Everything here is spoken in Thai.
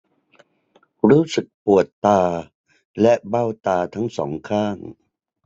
รู้สึกปวดบริเวณตาและเบ้าตาทั้งสองข้าง